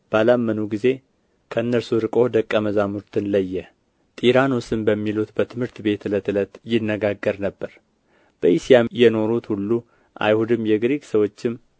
ባላመኑ ጊዜ ከእነርሱ ርቆ ደቀ መዛሙርትን ለየ ጢራኖስም በሚሉት በትምህርት ቤት ዕለት ዕለት ይነጋገር ነበር በእስያም የኖሩት ሁሉ አይሁድም የግሪክ ሰዎችም